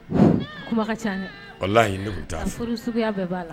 Ca